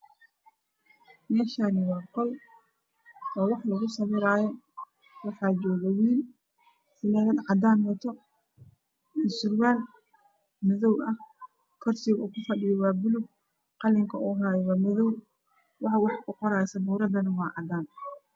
Meshani waa qol oo wax lagu sawiro waxaa jooga wiil funanad cadana wata iyo surwal madoow kursi buluga ku fadhiya qalin madoow hesta saburad cadana wax ku qoda